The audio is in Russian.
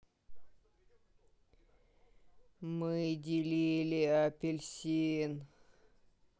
мы делили апельсин